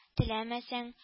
Теләмәсәң